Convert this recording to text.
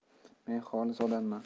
men xolis odamman